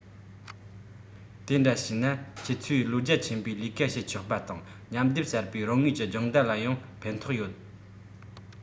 དེ འདྲ བྱས ན ཁྱེད ཚོས བློ རྒྱ ཆེན པོས ལས ཀ བྱེད ཆོག པ དང མཉམ སྡེབ གསར པའི རང ངོས ཀྱི སྦྱོང བརྡར ལ ཡང ཕན ཐོགས ཡོད